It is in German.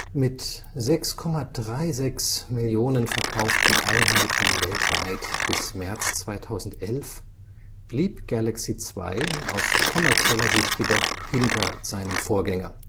Mit 6,36 Millionen verkauften Einheiten weltweit (Stand März 2011) blieb Galaxy 2 aus kommerzieller Sicht jedoch hinter seinem Vorgänger